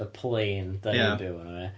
y plane, ia, dani'n... ia. ...byw arno fo ia.